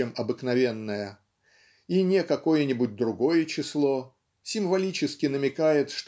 чем обыкновенная) и не какое-нибудь другое число символически намекает